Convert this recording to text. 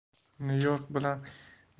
nyu york bilan